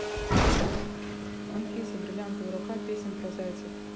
анфиса бриллиантовая рука песня про зайцев